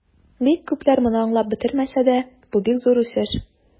Бик күпләр моны аңлап бетермәсә дә, бу бик зур үсеш.